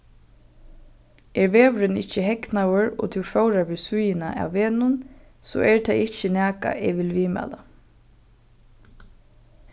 er vegurin ikki hegnaður og tú fóðrar við síðuna av vegnum so er tað ikki nakað eg vil viðmæla